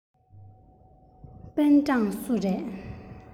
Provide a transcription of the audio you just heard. པེན ཀྲང སུ རེད